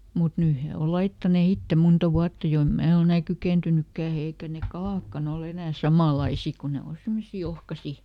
mutta nyt he on laittaneet itse monta vuotta jo en minä ole enää kykeentynytkään eikä ne kalatkaan ole enää samanlaisia kun ne on semmoisia ohkaisia